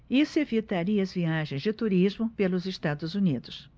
isso evitaria as viagens de turismo pelos estados unidos